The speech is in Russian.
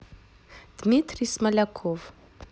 дмитрий смоляков